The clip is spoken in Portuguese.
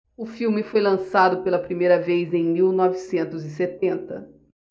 o filme foi lançado pela primeira vez em mil novecentos e setenta